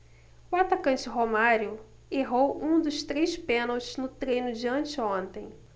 o atacante romário errou um dos três pênaltis no treino de anteontem